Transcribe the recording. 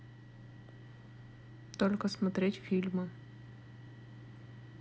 только смотреть фильмы